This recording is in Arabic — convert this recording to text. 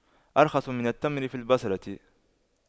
أرخص من التمر في البصرة